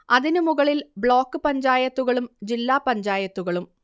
അതിനു മുകളിൽ ബ്ലോക്ക് പഞ്ചായത്തുകളും ജില്ലാപഞ്ചായത്തുകളും